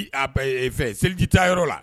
Fɛ seliji taa yɔrɔ la